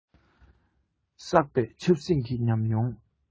བསགས པའི ཆབ སྲིད ཀྱི ཉམས མྱོང